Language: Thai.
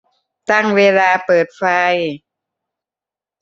ตั้งเวลาเปิดไฟ